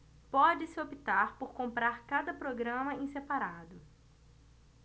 pode-se optar por comprar cada programa em separado